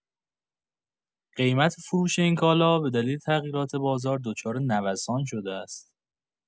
قیمت فروش این کالا به دلیل تغییرات بازار دچار نوسان شده است.